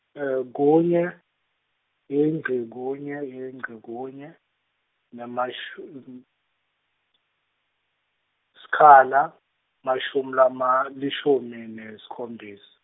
kunye, yingci, kunye, yingci, kunye, nemashum-, sikhala, mashumi lama, lishumi nesikhombisa.